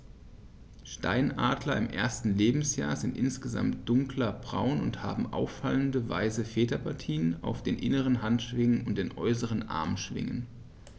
Steinadler im ersten Lebensjahr sind insgesamt dunkler braun und haben auffallende, weiße Federpartien auf den inneren Handschwingen und den äußeren Armschwingen.